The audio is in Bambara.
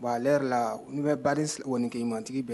Bon ale yɛrɛ la n bɛ ba kɔniin mantigibɛn